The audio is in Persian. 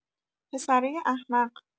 پسرۀ احمق!